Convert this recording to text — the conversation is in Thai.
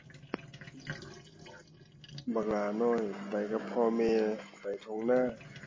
บักหล้าน้อยไปกับพ่อแม่ ไปทุ่งนา